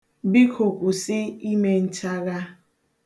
Biko, kwụsị ime nchagha.